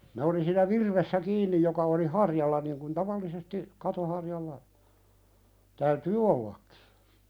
ne oli siinä virvessä kiinni joka oli harjalla niin kuin tavallisesti katon harjalla täytyy ollakin